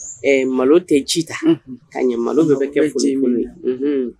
Ɛ malo tɛ ji ta ka ɲɛ malo bɛɛ bɛ kɛ fɔ mun ye